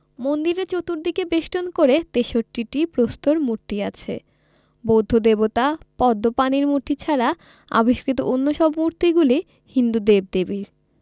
মন্দিরের চতুর্দিকে বেষ্টন করে ৬৩টি প্রস্তর মূর্তি আছে বৌদ্ধ দেবতা পদ্মপাণির মূর্তি ছাড়া আবিষ্কৃত অন্য সব মূর্তিগুলি হিন্দু দেবদেবীর